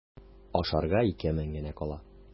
Ашарга ике мең генә кала.